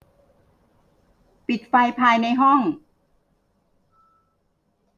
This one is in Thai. ปิดไฟภายในห้อง